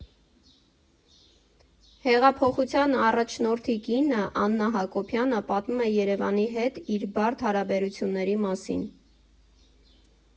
Հեղափոխության առաջնորդի կինը՝ Աննա Հակոբյանը, պատմում է Երևանի հետ իր բարդ հարաբերությունների մասին։